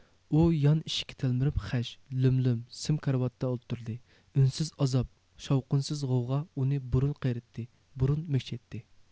ئۇ يان ئىشىككە تەلمۈرۈپ خەش لۆم لۆم سىم كارىۋاتتا ئولتۇردى ئۈنسىز ئازاب شاۋقۇنسىز غوۋغا ئۇنى بۇرۇن قېرىتتى بۇرۇن مۈكچەيتتى